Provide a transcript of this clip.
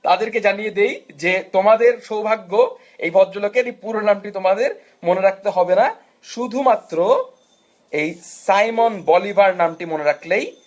তাদের কে জানিয়ে দেই যে তোমাদের সৌভাগ্য এই ভদ্রলোকের পুরো নাম টি তোমাদের মনে রাখতে হবে না শুধুমাত্র সাইমন বলিভার নামটি মনে রাখলেই